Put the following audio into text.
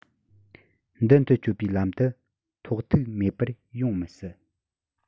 མདུན དུ སྐྱོད པའི ལམ དུ ཐོགས ཐུག མེད པར ཡོང མི སྲིད